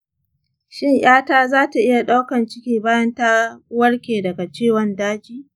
shin ƴata zata iya ɗaukan ciki bayan ta warke daga ciwon daji?